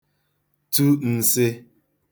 tu n̄sị̄